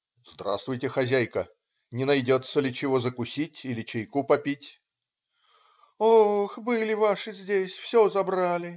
"Здравствуйте, хозяйка, не найдется ли чего закусить или чайку попить?" - "Ох, были ваши здесь, все забрали".